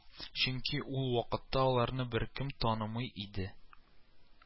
Чөнки ул вакытта аларны беркем танымый иде